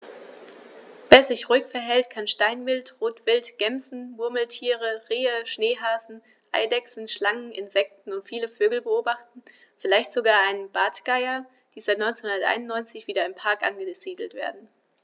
Wer sich ruhig verhält, kann Steinwild, Rotwild, Gämsen, Murmeltiere, Rehe, Schneehasen, Eidechsen, Schlangen, Insekten und viele Vögel beobachten, vielleicht sogar einen der Bartgeier, die seit 1991 wieder im Park angesiedelt werden.